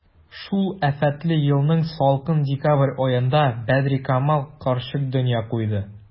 Шул афәтле елның салкын декабрь аенда Бәдрикамал карчык дөнья куйды.